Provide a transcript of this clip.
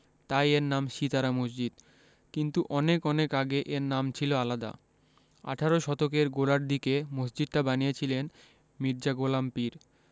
তাই এর নাম সিতারা মসজিদ কিন্তু অনেক অনেক আগে এর নাম ছিল আলাদা আঠারো শতকের গোড়ার দিকে মসজিদটা বানিয়েছিলেন মির্জা গোলাম পীর